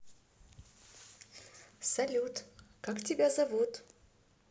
салют как тебя зовут